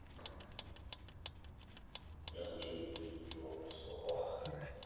я хочу найти видео все о